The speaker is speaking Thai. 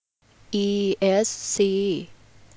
อีเอสซี